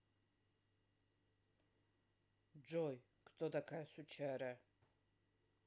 джой кто такая сучара